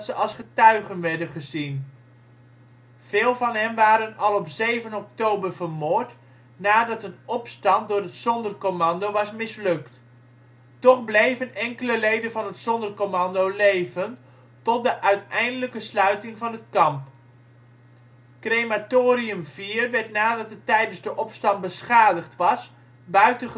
als getuigen werden gezien. Veel van hen waren al op 7 oktober vermoord, nadat een opstand door het Sonderkommando was mislukt. Toch bleven enkele leden van het Sonderkommando leven tot de uiteindelijke sluiting van het kamp. Crematorium IV werd nadat het tijdens de opstand beschadigd was buiten